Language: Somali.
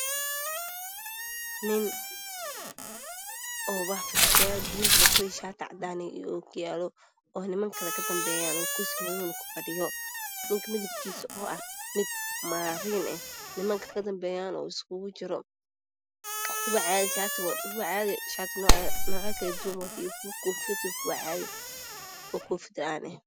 Waa nin futoshaari buluug ah wato iyo shaati cadaan ah iyo ookiyaalo oo niman kalana kadambeeyaan oo kursi madow ah kufadhiyo oo wadato koofi iyo kuwa dhar caadi wato oo koofi la aan ah.